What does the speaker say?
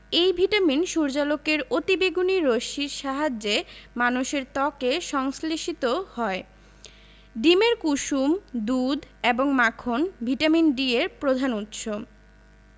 এই ভিটামিন সূর্যালোকের অতিবেগুনি রশ্মির সাহায্যে মানুষের ত্বকে সংশ্লেষিত হয় ডিমের কুসুম দুধ এবং মাখন ভিটামিন D এর প্রধান উৎস